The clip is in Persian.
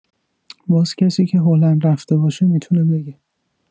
باز کسی که هلند رفته باشه می‌تونه بگه